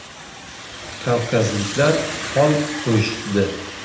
kavkazliklar xol qo'yishibdi